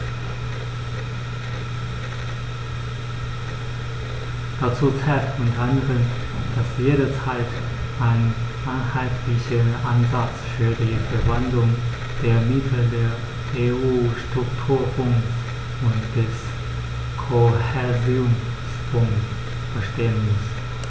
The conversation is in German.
Dazu zählt u. a., dass jederzeit ein einheitlicher Ansatz für die Verwendung der Mittel der EU-Strukturfonds und des Kohäsionsfonds bestehen muss.